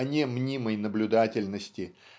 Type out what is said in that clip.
а не мнимой наблюдательности